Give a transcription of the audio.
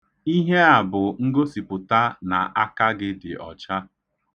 Ihe a bụ ngosipụta na aka gị dị ọcha.